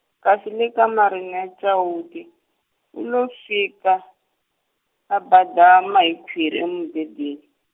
kasi le kamarini ya Chauke, u lo fika, a badama, hi khwiri emubedweni.